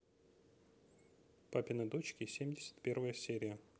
папины дочки семьдесят первая серия